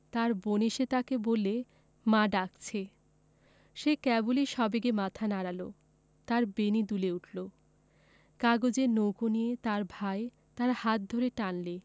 তার বোন এসে তাকে বললে মা ডাকছে সে কেবল সবেগে মাথা নাড়ল তার বেণী দুলে উঠল কাগজের নৌকো নিয়ে তার ভাই তার হাত ধরে টানলে